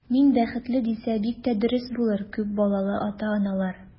Мин бәхетле, дисә, бик тә дөрес булыр, күп балалы ата-аналар.